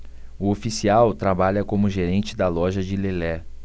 o oficial trabalha como gerente da loja de lelé